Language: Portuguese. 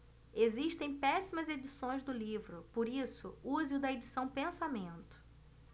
existem péssimas edições do livro por isso use o da edição pensamento